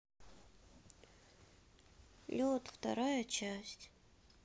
лед вторая часть